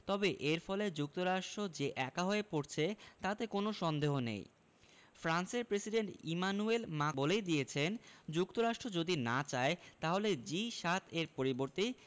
তবে এর ফলে যুক্তরাষ্ট্র যে একা হয়ে পড়ছে তাতে কোনো সন্দেহ নেই ফ্রান্সের প্রেসিডেন্ট ইমানুয়েল মা বলেই দিয়েছেন যুক্তরাষ্ট্র যদি না চায় তাহলে জি ৭ এর পরিবর্তে